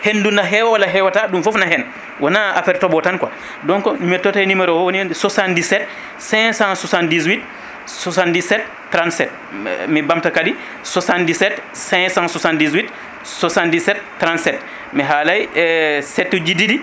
hendu ne hewa walla hewata ɗum foof ne hen wona affaire tooɓo tan quoi donc mi tottay numéro woni 77 578 77 37 me mi ɓamta kadi 77 578 77 37 mi haalay e sept tuji ɗiɗi